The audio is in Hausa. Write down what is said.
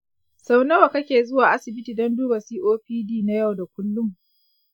sau nawa kake zuwa asibiti don duba copd na yau da kullum?